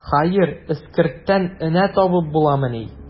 Хәер, эскерттән энә табып буламыни.